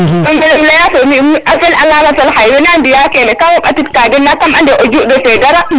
a fel angam a fel xaye wena mbiya kene ka xoɓatid kaden nda kam ande a ƴuɗ refe dara